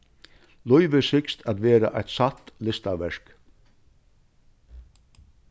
lívið sigst at vera eitt satt listaverk